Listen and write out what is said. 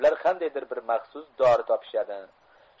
ular qandaydir bir maxsus dori topishadi